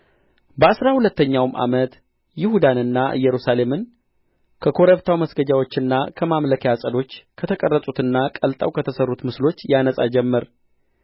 በአሥራ ሁለተኛውም ዓመት ይሁዳንና ኢየሩሳሌምን ከኮረብታው መስገጃዎችና ከማምለኪያ ዐፀዶቹ ከተቀረጹትና ቀልጠው ከተሠሩት ምስሎች ያነጻ ጀመር